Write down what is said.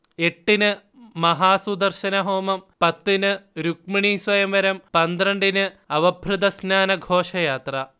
എട്ടിന് മഹാസുദർശനഹോമം, പത്തിന് രുക്മിണീസ്വയംവരം, പന്ത്രണ്ടിന് അവഭൃഥസ്നാന ഘോഷയാത്ര